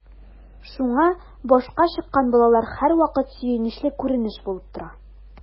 Шуңа “башка чыккан” балалар һәрвакыт сөенечле күренеш булып тора.